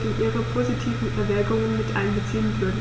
in Ihre positiven Erwägungen mit einbeziehen würden.